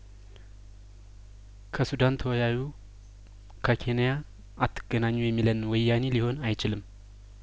ከሱዳን ተወያዩ ከኬንያአት ገናኙ የሚለን ወያኔ ሊሆን አይችልም